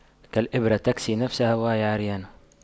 كالإبرة تكسي غيرها وهي عريانة